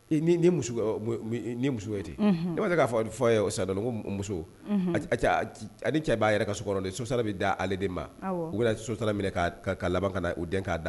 E, e nin ye mun suguya ye ten, unhun, ne ma deli k'a fɔ a ye san dɔ la, n ko muso ale ni cɛ b'a yɛrɛ ka so , kɔnɔn ye so sara bɛ d'ale de ma , u bɛ na so sara minɛ ka laban ka na u den k'a